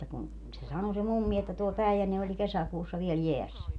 että kun se sanoi se mummi että tuo Päijänne oli kesäkuussa vielä jäässä